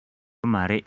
ཡོད མ རེད